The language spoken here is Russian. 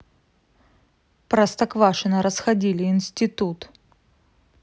простоквашино расходили институт